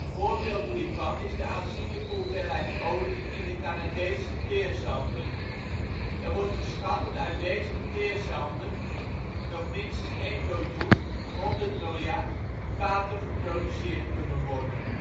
voorbeeld hiervan is de aanzienlijke hoeveelheid olie in de Canadese teerzanden. Er wordt geschat dat uit deze teerzanden nog minstens 1 biljoen (1000 miljard) vaten geproduceerd kunnen worden.